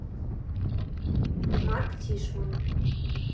марк тишман